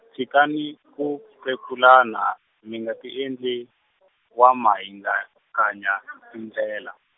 tshikani ku pekulana, mi nga tiendli, wamahingakanya tindlela.